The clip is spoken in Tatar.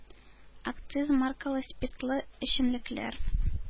Акциз маркалы спиртлы эчемлекләр